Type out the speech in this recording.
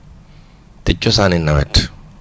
te coxaane nawet